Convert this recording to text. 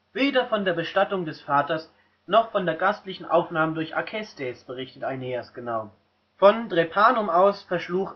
Weder von der Bestattung des Vaters noch von der gastlichen Aufnahme durch Acestes berichtet Aeneas genau. Von